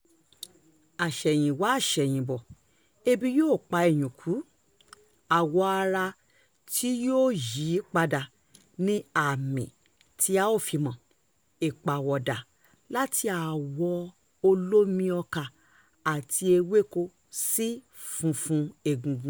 Àṣèyìnwá àṣẹ̀yìnbọ̀, ebi yóò pa iyùn kú; àwọ̀ ara tí yóò yí padà ni àmì tí a ó fi mọ̀, ìpàwọ̀dà láti àwọ̀ olómi-ọkà àti ewéko sí funfun egungun.